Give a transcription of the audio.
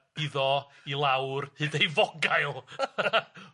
Iddo i lawr hyd ei fogail.